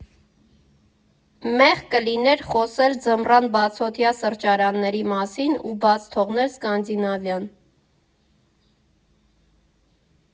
Մեղք կլիներ խոսել ձմռան բացօթյա սրճարանների մասին ու բաց թողնել Սկանդինավիան։